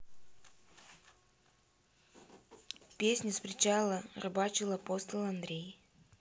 песня с причала рыбачил апостол андрей